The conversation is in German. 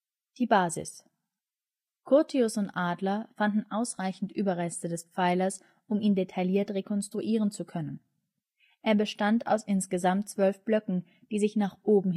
Curtius und Adler fanden ausreichend Überreste des Pfeilers, um ihn detailliert rekonstruieren zu können. Er bestand aus insgesamt 12 Blöcken, die sich nach oben hin verjüngten. So weist